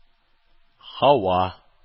Һава